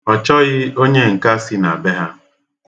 Ọ chọghi onyenka si na be ha.